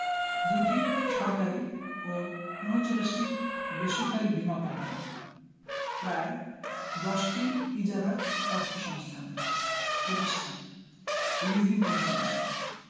২টি সরকারি ও ৩৯টি বেসরকারি বীমা কোম্পানি প্রায় ১০টি ইজারা অর্থসংস্থান প্রতিষ্ঠান লিজিং কোম্পানিস